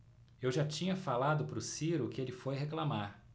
eu já tinha falado pro ciro que ele foi reclamar